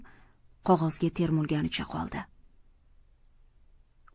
qog'ozga termilganicha qoldi